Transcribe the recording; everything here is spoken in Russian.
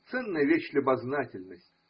Ценная вещь – любознательность